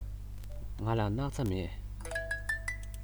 ང ལ སྣག ཚ མེད